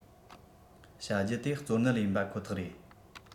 བྱ རྒྱུ དེ གཙོ གནད ཡིན པ ཁོ ཐག རེད